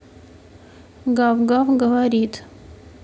гав гав говорит